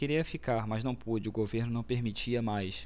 queria ficar mas não pude o governo não permitia mais